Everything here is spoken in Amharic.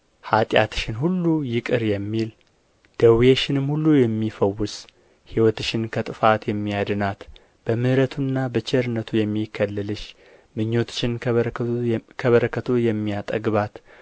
ኃጢአትሽን ሁሉ ይቅር የሚል ደዌሽንም ሁሉ የሚፈውስ ሕይወትሽን ከጥፋት የሚያድናት በምሕረቱና በቸርነቱ የሚከልልሽ ምኞትሽን ከበረከቱ የሚያጠግባት